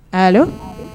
Ayiwa